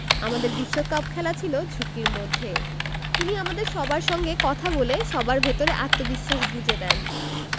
আমাদের বিশ্বকাপ খেলা ছিল ঝুঁকির মধ্যে তিনি আমাদের সবার সঙ্গে কথা বলে সবার ভেতরে আত্মবিশ্বাস গুঁজে দেন